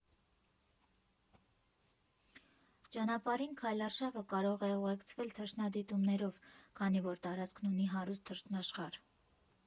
Ճանապարհին քայլարշավը կարող է ուղեկցվել թռչնադիտումներով, քանի որ տարածքն ունի հարուստ թռչնաշխարհ։